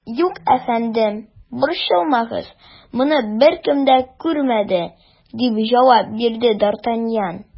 Юк, әфәндем, борчылмагыз, моны беркем дә күрмәде, - дип җавап бирде д ’ Артаньян.